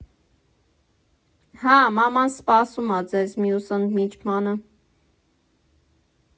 Հա, մաման սպասում ա ձեզ մյուս ընդմիջմանը։